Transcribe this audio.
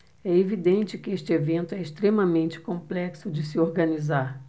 é evidente que este evento é extremamente complexo de se organizar